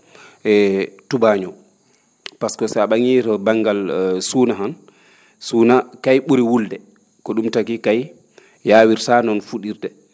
e tubaañoo pasque so a ?a?ii ro banngal suuna han suuna kay ?uri wulde ko ?um taki kay yaawirsaa noon fu?irde